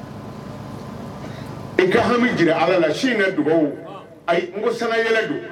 I ka hami jira ala la si in dugawu n koy don